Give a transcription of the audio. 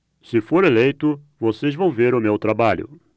se for eleito vocês vão ver o meu trabalho